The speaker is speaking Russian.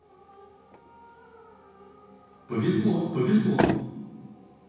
повезло повезло